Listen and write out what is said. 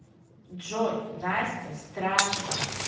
джой настя страшно